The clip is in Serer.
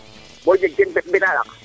bo jeg teen ɓetaɗak